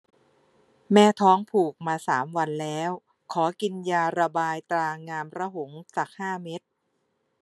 แม่ท้องผูกมาสามวันแล้วขอกินยาระบายตรางามระหงสักห้าเม็ด